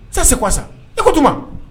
Ça c'est quoi ça e ko d'i n ma.